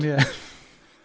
Ie